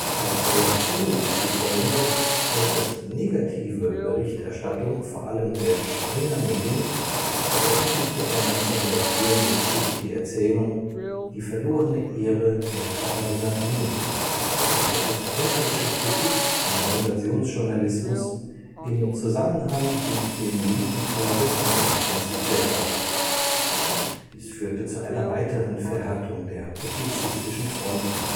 Als Reaktion auf die folgende äußerst negative Berichterstattung vor allem der Springer-Medien veröffentlichte er 1974 die Erzählung Die verlorene Ehre der Katharina Blum, die als kämpferische Kritik am Sensationsjournalismus im Zusammenhang mit dem linken Terrorismus konzipiert war. Dies führte zu einer weiteren Verhärtung der publizistischen Fronten